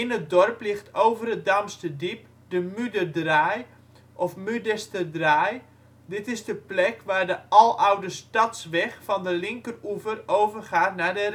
het dorp ligt over het Damsterdiep de Muderdraai of Mudesterdraai. Dit is de plek waar de aloude Stadsweg van de linkeroever overgaat naar